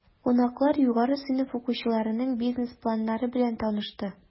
Кунаклар югары сыйныф укучыларының бизнес планнары белән танышты.